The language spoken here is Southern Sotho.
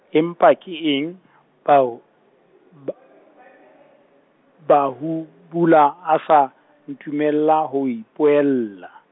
empa ke eng Bahu-, Ba-, Bhahu- bula a sa, ntumella ho ipuella?